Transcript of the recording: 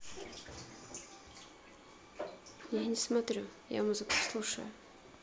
я не смотрю я музыку слушаю